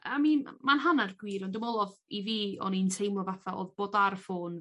a mi'n ma'n hannar gwir ond dwi me'wl o i fi o'n i'n teimlo fatha o'dd bod ar y ffôn